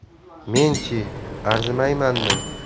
men chi arzimaymanmi